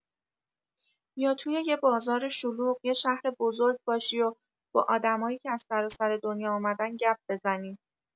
یا توی یه بازار شلوغ یه شهر بزرگ باشی و با آدمایی که از سراسر دنیا اومدن گپ بزنی.